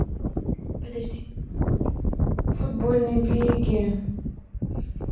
футбольный биги